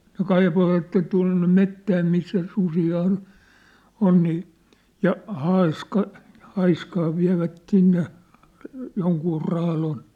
no kaivoivat tuonne metsään missä susia on on niin ja haaska haaskaa vievät sinne jonkun raadon